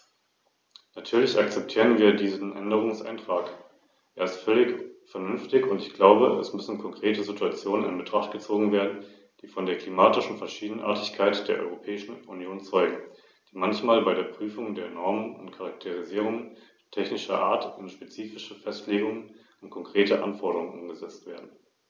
Damit wird man den Rufen nach mehr Transparenz bei der Verwendung der Gelder gerecht, und der Versuchung, das lokale Steueraufkommen in Gebieten, in denen entsprechende Projekte durchgeführt werden, unnötig über längere Zeit zu belasten, wird erfolgreich entgegengewirkt. Zudem macht das Parlament damit deutlich, wie ernst es den Ruf nach derartigen Reformen nimmt.